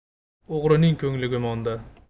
o'g'rining ko'ngli gumonda